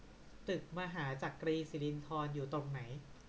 ตึกมหาจักรีสิรินธรอยู่ตรงไหน